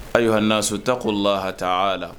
Ayiwa ha sotakɔ la hata a la